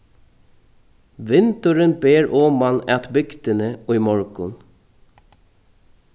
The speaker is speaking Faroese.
vindurin ber oman at bygdini í morgun